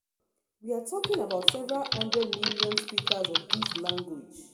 We are talking about several hundred million speakers of this language.